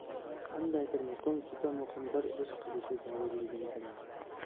qandaydir muhim juda muhim bir ish qilish zarurligini bilardi